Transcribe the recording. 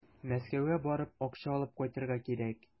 Мәскәүгә барып, акча алып кайтырга кирәк.